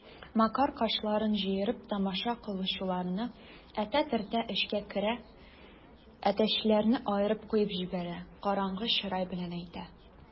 Макар, кашларын җыерып, тамаша кылучыларны этә-төртә эчкә керә, әтәчләрне аерып куып җибәрә, караңгы чырай белән әйтә: